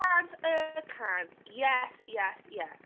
Cant y cant yes yes yes.